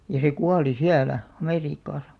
ja se kuoli siellä Amerikassa